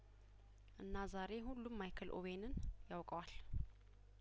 እና ዛሬ ሁሉም ማይክል ኦዌንን ያው ቀዋል